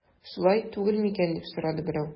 Шулай түгел микән дип сорады берәү.